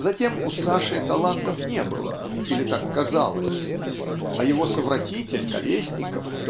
Затем у Саши талантов не было (или так казалось) а его совратитель Колесников